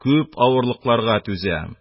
Күп авырлыкларга түзәм,